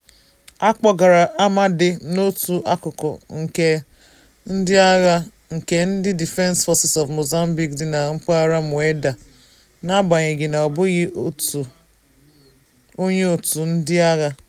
A kpọgara Amade n'otu akụkụ nke ndị agha nke ndị Defense Forces of Mozambique dị na mpaghara Mueda, n'agbanyeghị na ọ bụghị onye òtù ndị agha.